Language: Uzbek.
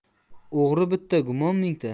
o'g'ri bitta gumon mingta